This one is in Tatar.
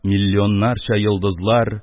Миллионнарча йолдызлар